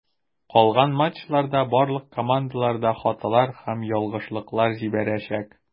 Калган матчларда барлык командалар да хаталар һәм ялгышлыклар җибәрәчәк.